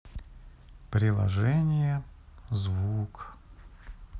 приложение звук